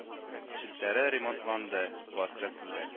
Челтәре ремонтланды, газ кертелде